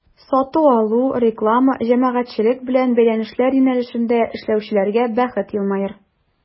Сату-алу, реклама, җәмәгатьчелек белән бәйләнешләр юнәлешендә эшләүчеләргә бәхет елмаер.